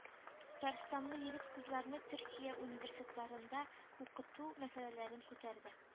Татарстанлы егет-кызларны төркия университетларында укыту мәсьәләләрен күтәрде